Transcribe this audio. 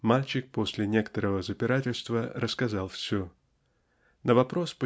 Мальчик после некоторого запирательства рассказал все. На вопрос